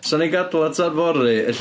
'Sen ni'n gadael fo tan fory ella.